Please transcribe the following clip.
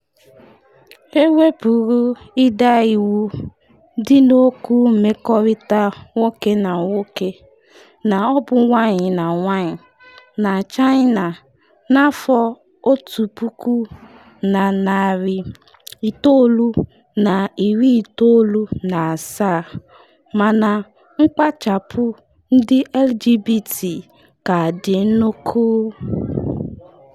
Ewepuru ịda iwu dị n’okwu mmekọrịta nwoke na nwoke ma ọ bụ nwanyị na nwaanyị na China na 1997, mana mkpachapụ ndị LGBT ka dị nnukwu.